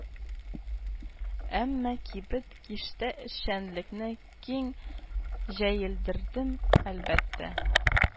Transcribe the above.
Әмма кибет киштәэшчәнлекне киң җәелдердем, әлбәттә